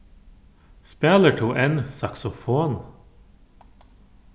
spælir tú enn saksofon